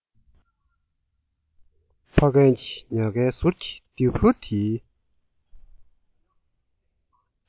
ཕ རྒན གྱིས ཉག ཁའི ཟུར གྱི དེའུ འབུར དེའི